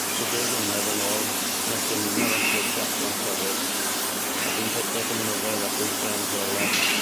Tua deg mlynedd yn ôl nes i ymuno efo clwb triathalon Ceryst a dwi'n rhedeg y mynyddoedd a'r llwybre yn rheoledd.